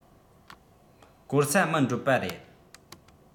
བཀོལ ས མི འགྲོ པ རེད